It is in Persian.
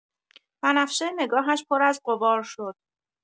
بنفشه نگاهش پر از غبار شد.